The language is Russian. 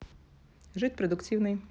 жить продуктивный